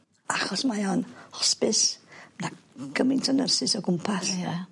achos mae o'n hosbis na gymint o nyrsys o gwmpas. Ie ie.